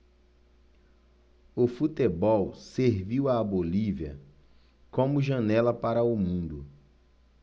o futebol serviu à bolívia como janela para o mundo